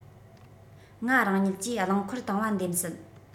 ང རང ཉིད ཀྱིས རླངས འཁོར བཏང བ འདེམས སྲིད